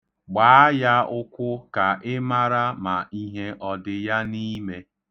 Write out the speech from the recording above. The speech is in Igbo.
Gbaa ya ụkwụ ka ị mara ma ihe ọ dị ya n'ime.